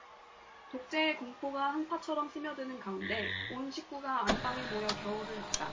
독재의 공포가 한파처럼 스며드는 가운데 온 식구가 안방에 모여 겨울을 났다